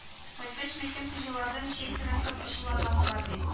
Кайткач мәйтәм хуҗалардан чәй сорасак ачуланмаслар бит